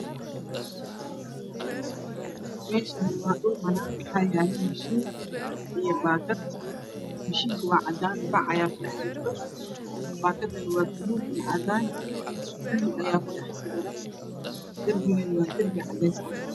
Meeshaani waa dhul banaan waxa yaalo mashiin iyo baakad mashiinka waa cadaan bac ayaa ku dhex jirto baakadana waa buluug iyo cadaan cunug ayaa ku dhex sawiran darbigana waa darbi cadays ah